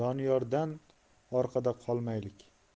doniyordan orqada qolmaylik